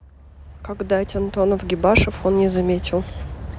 как дать антонов гибашев он не заметил